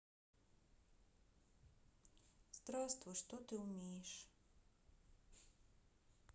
здравствуй что ты умеешь